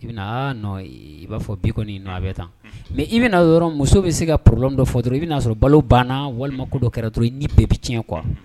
I bɛ na aa non i b'a fɔ bi kɔnni non a bɛ tan, Unhun, mais i bɛ na dɔrɔn muso bɛ se ka problème dɔ fɔ dɔrɔn i bɛ n'a sɔrɔ balo banna walima ko dɔ kɛra dɔrɔn i ni bɛɛ bɛ cɛn quoi , unhun,